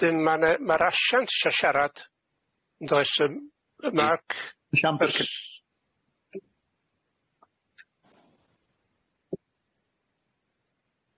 Ydyn ma' 'ne ma'r asiant isio siarad yndoes yym yy Mark?